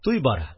Туй бара